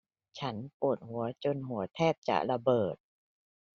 ฉันปวดหัวจนหัวแทบจะระเบิด